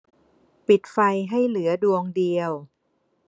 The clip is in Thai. ปิดไฟให้เหลือดวงเดียว